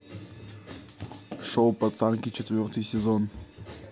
шоу пацанки четвертый сезон